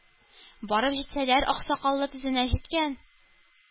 Барып җитсәләр, ак сакалы тезенә җиткән,